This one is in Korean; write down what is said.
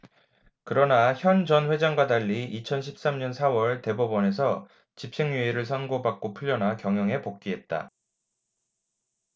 그러나 현 전 회장과 달리 이천 십 삼 년 사 월 대법원에서 집행유예를 선고 받고 풀려나 경영에 복귀했다